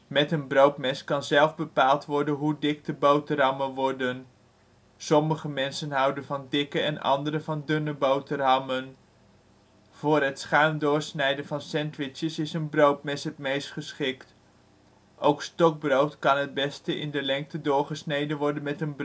Met een broodmes kan zelf bepaald worden hoe dik de boterhammen worden. Sommige mensen houden van dikke en anderen van dunne boterhammen. Voor het schuin doorsnijden van sandwiches is een broodmes het meest geschikt. Ook stokbrood kan het beste in de lengte doorgesneden worden met een